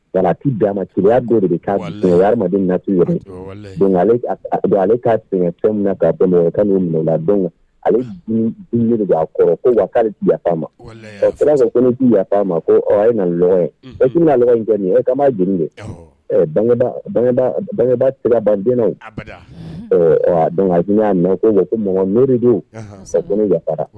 Nkaki di maya don de' sen na yɛrɛ ale ka sen fɛn min na ka ban ka dɔn ale' kɔrɔ ko'ale yafa ma sira' yafa ma ko e ye na ɲɔgɔn ye e ka joli de bangeba sira bantw dɔnku y'a mɛn ko ma ko mɔgɔɔgɔn moridenw yafara